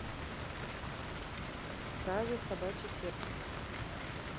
фразы собачье сердце